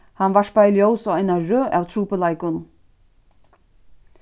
hann varpaði ljós á eina røð av trupulleikum